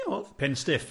Pen stiff?